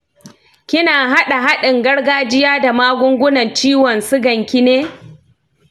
kina haɗa haɗin gargajiya da magungunan ciwon siganki ne?